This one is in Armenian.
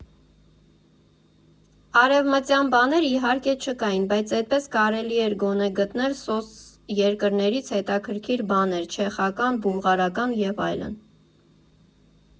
Արևմտյան բաներ իհարկե չկային, բայց էդպես կարելի էր գոնե գտնել սոցերկրներից հետաքրքիր բաներ՝ չեխական, բուլղարական և այլն։